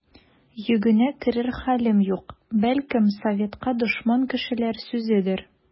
Йөгенә керер хәлем юк, бәлкем, советка дошман кешеләр сүзедер.